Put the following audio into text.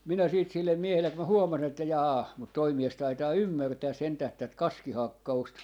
minä sitten sille miehelle kun minä huomasin että jaa mutta tuo mies taitaa ymmärtää sentään tätä kaskihakkausta